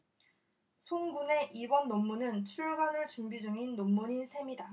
송 군의 이번 논문은 출간을 준비 중인 논문인 셈이다